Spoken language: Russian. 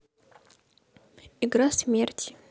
игра смерти